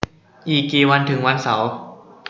อีกกี่วันถึงวันเสาร์